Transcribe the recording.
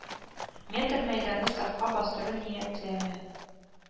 Метр мәйданны сафка бастыру ниятләнә